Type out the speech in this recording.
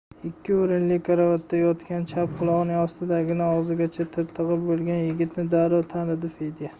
ikki o'rinli karavotda yotgan chap qulog'ining ostidan og'zigacha tirtig'i bo'lgan yigitni darrov tanidi fedya